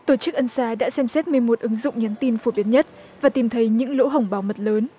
tổ chức ân xá đã xem xét mười một ứng dụng nhắn tin phổ biến nhất và tìm thấy những lỗ hổng bảo mật lớn